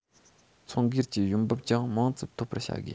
ཚོར སྒེར གྱི ཡོང འབབ ཀྱང མང ཙམ འཐོབ པར བྱ དགོས